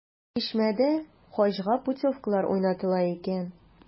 “чишмә”дә хаҗга путевкалар уйнатыла икән.